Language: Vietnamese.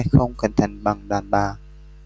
không cẩn thận bằng đàn bà